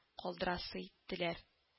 Калдырасы иттеләр